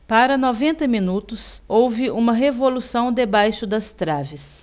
para noventa minutos houve uma revolução debaixo das traves